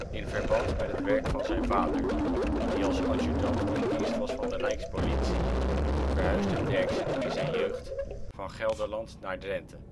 In verband met het werk van zijn vader, die als adjudant in dienst was van de rijkspolitie, verhuisde Derksen in zijn jeugd van Gelderland naar Drenthe